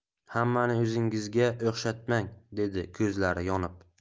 hammani o'zingizga o 'xshatmang dedi ko'zlari yonib